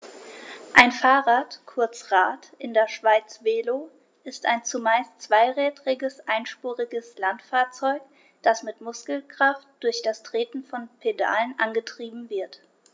Ein Fahrrad, kurz Rad, in der Schweiz Velo, ist ein zumeist zweirädriges einspuriges Landfahrzeug, das mit Muskelkraft durch das Treten von Pedalen angetrieben wird.